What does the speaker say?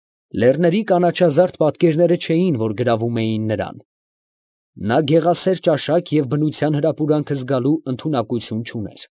Լեռների կանաչազարդ պատկերները չէին, որ գրավում էին նրան. նա գեղասեր ճաշակ և բնության հրապուրանքը զգալու ընդունակություն չուներ։